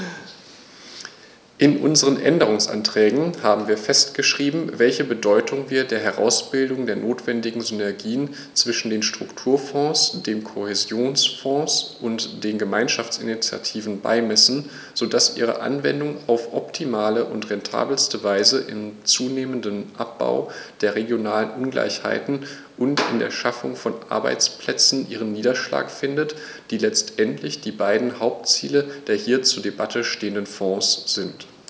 In unseren Änderungsanträgen haben wir festgeschrieben, welche Bedeutung wir der Herausbildung der notwendigen Synergien zwischen den Strukturfonds, dem Kohäsionsfonds und den Gemeinschaftsinitiativen beimessen, so dass ihre Anwendung auf optimale und rentabelste Weise im zunehmenden Abbau der regionalen Ungleichheiten und in der Schaffung von Arbeitsplätzen ihren Niederschlag findet, die letztendlich die beiden Hauptziele der hier zur Debatte stehenden Fonds sind.